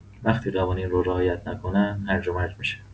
وقتی قوانین رو رعایت نکنن، هرج‌ومرج می‌شه.